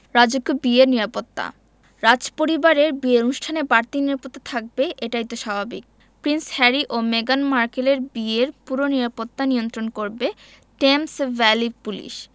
রাজকীয় বিয়ের নিরাপত্তা রাজপরিবারের বিয়ের অনুষ্ঠানে বাড়তি নিরাপত্তা থাকবে এটাই তো স্বাভাবিক প্রিন্স হ্যারি ও মেগান মার্কেলের বিয়ের পুরো নিরাপত্তা নিয়ন্ত্রণ করবে টেমস ভ্যালি পুলিশ